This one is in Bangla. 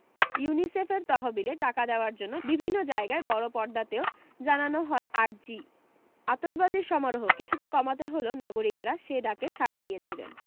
ইউনিসেফের তহবিলে টাকা দেওয়ার জন্য বিভিন্ন জায়গায় বড় পর্দাতেও জানানো হয় আর্জি আতসবাজীর সমারোহ কিছুটা কমাতে হলেও নাগরিকেরা সে ডাকে সাড়া দিয়েছিলেন